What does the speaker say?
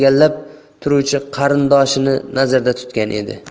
birini egallab turuvchi qarindoshini nazarda tutgan edi